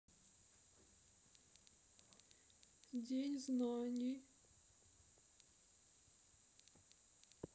день знаний